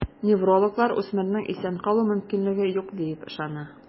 Неврологлар үсмернең исән калу мөмкинлеге юк диеп ышана.